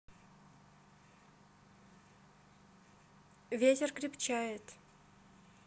ветер крепчает